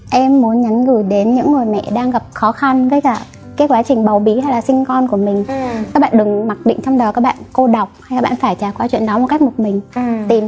em muốn nhắn gửi đến những người mẹ đang gặp khó khăn với cả các quá trình bầu bí hay sinh con của mình các bạn đừng mặc định trong đầu các bạn cô độc hay bạn phải trải qua chuyện đó một cách một mình tìm